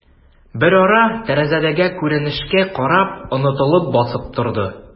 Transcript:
Берара, тәрәзәдәге күренешкә карап, онытылып басып торды.